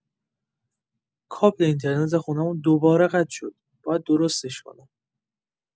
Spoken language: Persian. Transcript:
کابل اینترنت خونمون دوباره قطع شد، باید درستش کنم.